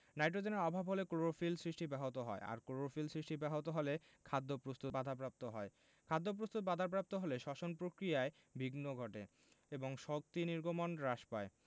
নাইট্রোজেনের অভাব হলে ক্লোরোফিল সৃষ্টি ব্যাহত হয় আর ক্লোরোফিল সৃষ্টি ব্যাহত হলে খাদ্য প্রস্তুত বাধাপ্রাপ্ত হয় খাদ্যপ্রস্তুত বাধাপ্রাপ্ত হলে শ্বসন প্রক্রিয়ায় বিঘ্ন ঘটে এবং শক্তি নির্গমন হ্রাস পায়